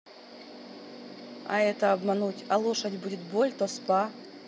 а это обмануть а лошадь будет боль то spa